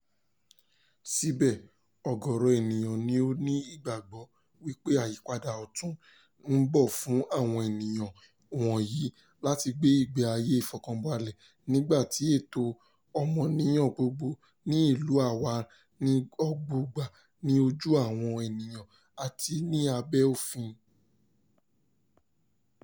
Síbẹ̀, ọ̀gọ̀rọ̀ ènìyàn ni ó ní ìgbàgbọ́ wípé àyípadà ọ̀tún ń bọ̀ fún àwọn ènìyàn wọ̀nyí láti gbé ìgbé ayé ìfọkànbalẹ̀ nígbà tí ẹ̀tọ́ ọmọnìyàn gbogbo ní ìlú á wà ní ọ̀gbọọgba ní ojú àwọn ènìyàn àti ní abẹ́ òfin.